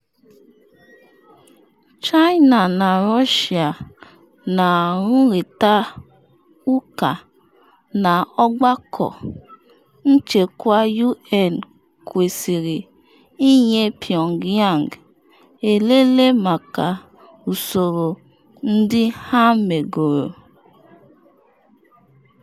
China na Russia na-arụrịta ụka na Ọgbakọ Nchekwa U.N. kwesịrị inye Pyongyang elele maka usoro ndị ha megoro.